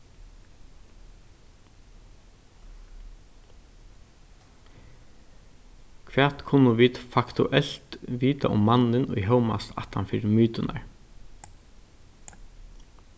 hvat kunnu vit faktuelt vita um mannin ið hómast aftan fyri myturnar